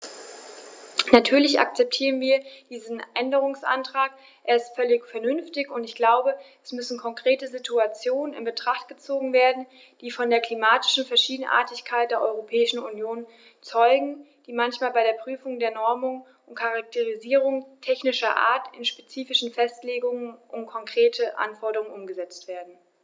Natürlich akzeptieren wir diesen Änderungsantrag, er ist völlig vernünftig, und ich glaube, es müssen konkrete Situationen in Betracht gezogen werden, die von der klimatischen Verschiedenartigkeit der Europäischen Union zeugen, die manchmal bei der Prüfung der Normungen und Charakterisierungen technischer Art in spezifische Festlegungen und konkrete Anforderungen umgesetzt werden.